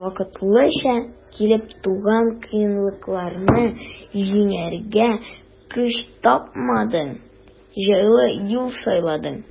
Вакытлыча килеп туган кыенлыкларны җиңәргә көч тапмадың, җайлы юл сайладың.